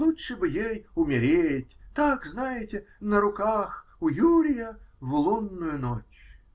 Лучше бы ей умереть, так знаете, на руках у Юрия, в лунную ночь.